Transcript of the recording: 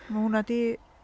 Mae hwnna 'di...